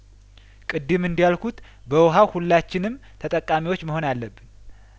ቅድም እንዳል ኩት በውሀው ሁላችንም ተጠቃሚዎች መሆን አለብን